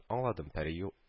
Аңладым. Пәри ю